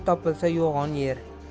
topilsa yo'g'on yer